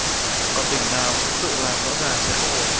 còn tỉnh nào cũng tự làm rõ ràng sẽ không ổn